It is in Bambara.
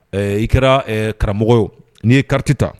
I kɛra karamɔgɔ ye n'i ye kariti ta